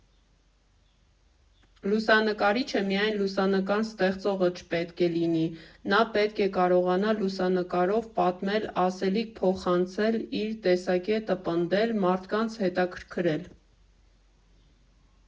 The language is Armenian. Լուսանկարիչը միայն լուսանկար ստեղծողը չպետք է լինի, նա պետք է կարողանա լուսանկարով պատմել, ասելիք փոխանցել, իր տեսակետը պնդել, մարդկանց հետաքրքրել։